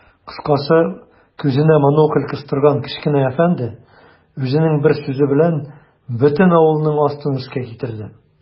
Кыскасы, күзенә монокль кыстырган кечкенә әфәнде үзенең бер сүзе белән бөтен авылның астын-өскә китерде.